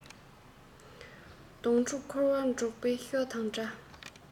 གདོང དྲུག འཁོར བ འབྲོག པའི ཤོ དང འདྲ